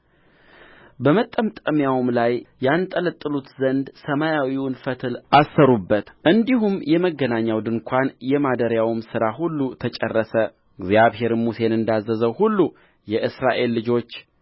በመጠምጠሚያውም ላይ ያንጠለጥሉት ዘንድ ሰማያዊውን ፈትል አሰሩበት እንዲሁም የመገናኛው ድንኳን የማደሪያው ሥራ ሁሉ ተጨረሰ እግዚአብሔርም ሙሴን እንዳዘዘው ሁሉ የእስራኤል ልጆች